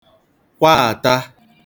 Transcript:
kwaàta